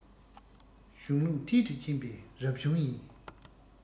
གཞུང ལུགས མཐིལ དུ ཕྱིན པའི རབ བྱུང ཡིན